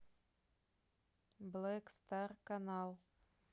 блэк стар канал